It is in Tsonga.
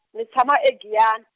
ni tshama e Giyan-.